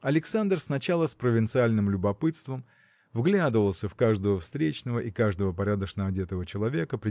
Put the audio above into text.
Александр сначала с провинциальным любопытством вглядывался в каждого встречного и каждого порядочно одетого человека